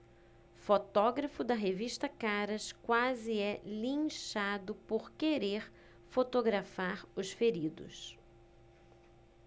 fotógrafo da revista caras quase é linchado por querer fotografar os feridos